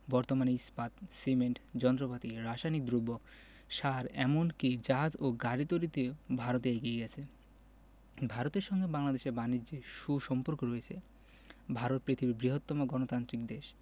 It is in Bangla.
বর্তমানে ইস্পাত সিমেন্ট যন্ত্রপাতি রাসায়নিক দ্রব্য সার এমন কি জাহাজ ও গাড়ি তৈরিতেও ভারত এগিয়ে গেছে ভারতের সঙ্গে বাংলাদেশের বানিজ্যে সু সম্পর্ক রয়েছে ভারত পৃথিবীর বৃহত্তম গণতান্ত্রিক দেশ